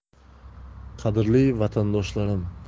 qadrli vatandoshlarim